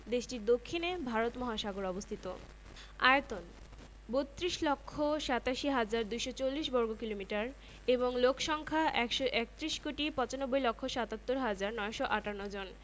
বুধ শুক্র মঙ্গল বৃহস্পতি ও শনি বেশ উজ্জ্বল এবং কোনো যন্ত্রের সাহায্য ছাড়াই দেখা যায় ইউরেনাস ও নেপচুন এতটা কম উজ্জ্বল যে দূরবীক্ষণ ছাড়া এদের দেখা যায় না